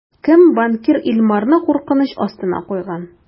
Кем банкир Илмарны куркыныч астына куйган?